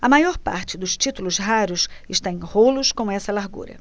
a maior parte dos títulos raros está em rolos com essa largura